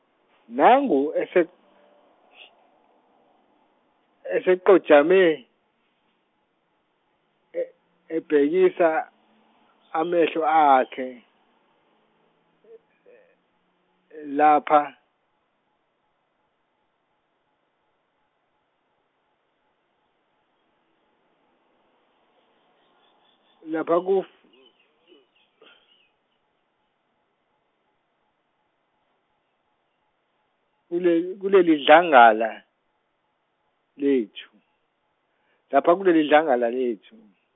nangu ese- eseqojame, e- ebhekisa amehlo akhe, lapha, lapha ku- , kulel- kuleli dlangala, lethu , lapha kuleli dlangala lethu.